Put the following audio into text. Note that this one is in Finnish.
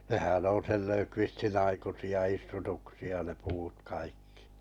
nehän on sen Löfqvistin aikaisia istutuksia ne puut kaikki